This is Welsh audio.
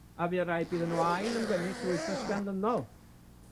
a fuodd raid iddyn nw ail ymgynnull yr wythnos ganlynol.